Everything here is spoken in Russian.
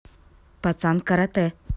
пацан каратэ